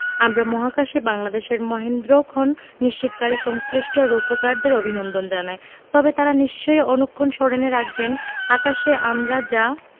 আমরা মহাকাশে বাংলাদেশের মহেন্দ্রক্ষণ নিশ্চিতকারী সংশ্লিষ্ট রূপকারদের অভিনন্দন জানাই তবে তাঁরা নিশ্চয় অনুক্ষণ স্মরণে রাখবেন আকাশে আমরা যা